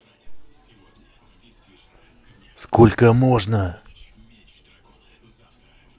сколько можно